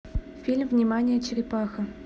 фильм внимание черепаха